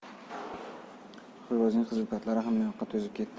xo'rozning qizil patlari hammayoqqa to'zib ketdi